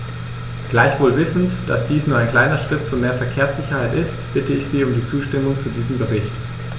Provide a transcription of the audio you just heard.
Gleichwohl wissend, dass dies nur ein kleiner Schritt zu mehr Verkehrssicherheit ist, bitte ich Sie um die Zustimmung zu diesem Bericht.